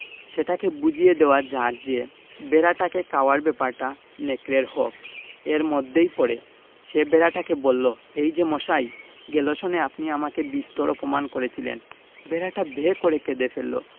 সেটাকে বুঝিয়ে দেওয়া যাক যে ভেড়াটাকে খাওয়ার ব্যাপারটা নেকড়ের হক এর মধ্যেই পড়ে সে ভেড়াটাকে বলল এই যে মশাই গেল সনে আপনি আমাকে বিস্তর অপমান করেছিলেন ভেড়াটা ভ্যাঁ করে কেঁদে ফেলল